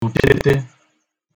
vupiete